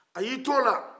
a y'i t'o la